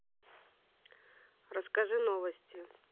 расскажи новости